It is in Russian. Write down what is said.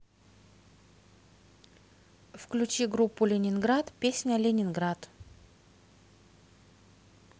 включи группу ленинград песня ленинград